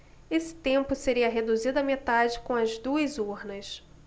esse tempo seria reduzido à metade com as duas urnas